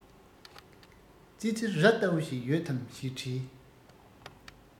ཙི ཙི ར ལྟ བུ ཞིག ཡོད དམ ཞེས དྲིས